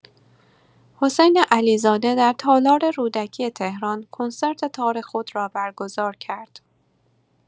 حسین علیزاده در تالار رودکی تهران کنسرت تار خود را برگزار کرد.